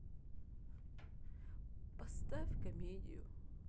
поставь комедию